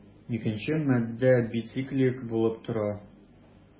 Икенчесе матдә бициклик булып тора.